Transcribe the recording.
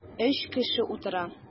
Өч кеше утыра.